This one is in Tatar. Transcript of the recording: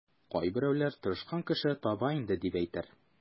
Кайберәүләр тырышкан кеше таба инде, дип әйтер.